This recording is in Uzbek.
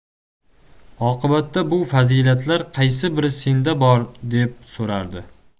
oqibatda bu fazilatlar qaysi biri senda bor deb so'rardi